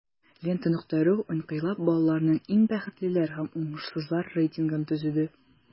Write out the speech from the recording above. "лента.ру" инкыйлаб балаларының иң бәхетлеләр һәм уңышсызлар рейтингын төзеде.